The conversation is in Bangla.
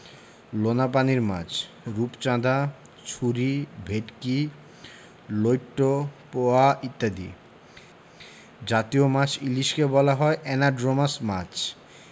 লোনাপানির মাছ রূপচাঁদা ছুরি ভেটকি লইট্ট পোয়া ইত্যাদি জতীয় মাছ ইলিশকে বলা হয় অ্যানাড্রোমাস মাছ